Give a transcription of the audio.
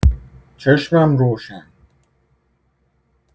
چشمم روشن!